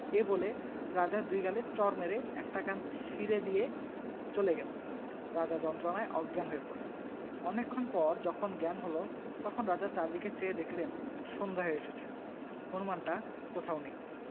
এই বলে রাজার দুই গালে চড় মেরে একটা কান ছিড়ে দিয়ে চলে গেল রাজা যন্ত্রনায় অজ্ঞান হয়ে পড়লেন অনেকক্ষণ পরে যখন জ্ঞান হল তখন রাজা চারদিক চেয়ে দেখলেন সন্ধ্যা হয়ে এসেছে হুনুমানটা কোথাও নেই